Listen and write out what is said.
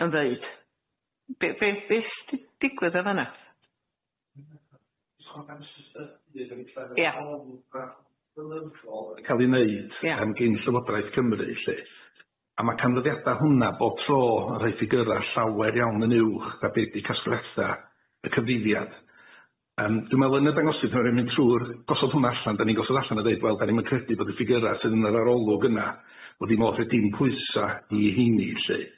yn ddeud? Be- be- be s' di digwydd yn fan'na? blynyddol yn ca'l i neud gin Llywodraeth Cymru lly, a ma' canfyddiada hwnna bob tro yn roid ffugura llawer iawn yn uwch na be di casgliada y cyfrifiad. Yym dw' me'l yn y dangosydd ma' raid mynd trw'r, gosod hwnna allan 'da ni'n gosod o allan a deud wel 'da ni'm yn credu bod y ffigura sy yn yr arolwg yna, bod dim modd roid dim pwysa i heini lly.